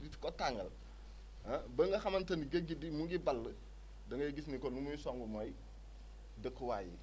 lu ci ba tàngal ah ba nga xamante ni géej gi du mu ngi ball da ngay gis ni que nu muy song mooy dëkkuwaay yi